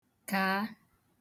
kàa